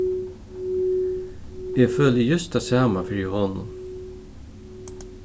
eg føli júst tað sama fyri honum